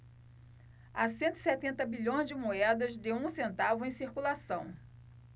há cento e setenta bilhões de moedas de um centavo em circulação